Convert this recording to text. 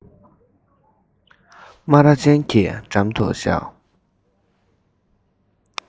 སྨ ར ཅན དེའི འགྲམ དུ བཞག